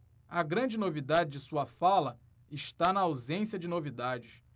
a grande novidade de sua fala está na ausência de novidades